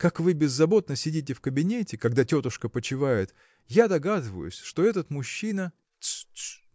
– как вы беззаботно сидите в кабинете когда тетушка почивает я догадываюсь что этот мужчина. – Тс! тс!.